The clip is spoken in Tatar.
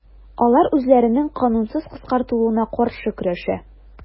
Алар үзләренең канунсыз кыскартылуына каршы көрәшә.